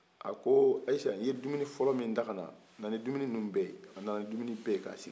a ko ayise un ye dumunifɔlɔ min ta kana na ni dumuni ninuw bɛ ye a nana ni dumuniw bɛ ye k'a sigi